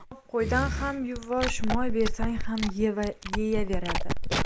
qo'noq qo'ydan ham yuvvosh moy bersang ham yeyaveradi